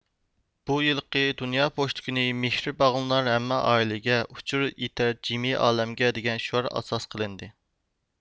بۇ يىلقى دۇنيا پوچتا كۈنى مېھرى باغلىنار ھەممە ئائىلىگە ئۇچۇر يېتەر جىمى ئالەمگە دېگەن شوئار ئاستىدا ئېلىندى